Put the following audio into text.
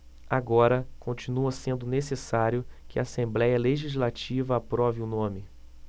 agora continua sendo necessário que a assembléia legislativa aprove o nome